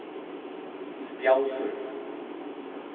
spjaldur